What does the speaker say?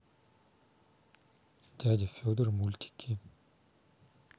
дядя федор мультики